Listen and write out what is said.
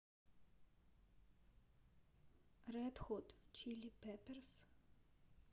ред хот чили пеперс